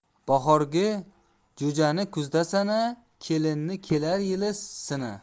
bahorgi jo'jani kuzda sana kelinni kelar yili sina